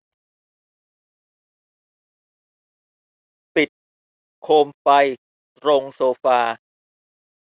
ปิดโคมไฟตรงโซฟา